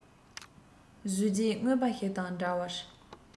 བཟོས རྗེས རྔོན པ ཞིག དང འདྲ བར